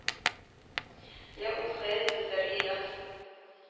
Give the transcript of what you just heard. Йә ул хәят безләргә ят...